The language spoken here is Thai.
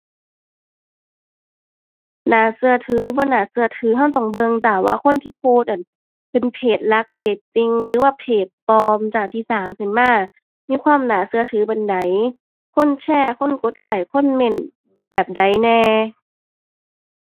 น่าเชื่อถือหรือบ่น่าเชื่อถือเชื่อต้องเบิ่งจ้ะ ว่าคนที่โพสต์นั้นเป็นเพจหลัก เพจจริง หรือว่าเพจปลอมจ้า ที่สร้างขึ้นมา มีความน่าเชื่อถือปานใด คนแชร์ คนกดไลก์ คนเมนต์แบบใดแหน่